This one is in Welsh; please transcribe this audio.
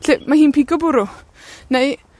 'Lly mae hi'n pigo bwrw neu